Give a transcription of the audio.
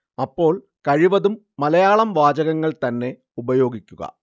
അപ്പോൾ കഴിവതും മലയാളം വാചകങ്ങൾ തന്നെ ഉപയോഗിക്കുക